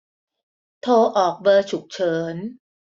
โทรออกเบอร์ฉุกเฉิน